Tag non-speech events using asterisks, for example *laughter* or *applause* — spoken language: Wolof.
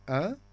*hesitation*